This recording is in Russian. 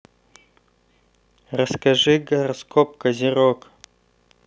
расскажи гороскоп козерог